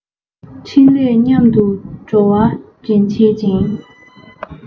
འཕྲིན ལས མཉམ དུ འགྲོ བ འདྲེན བྱེད ཅིང